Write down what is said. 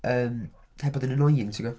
Yym heb bod yn annoying ti'n gwybod.